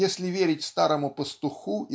если верить старому пастуху